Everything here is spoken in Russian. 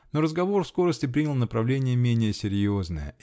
но разговор вскорости принял направление менее серьезное.